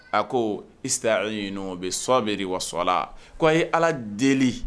A ko istaghiinou bisobiri wa sola ko a ye Ala deli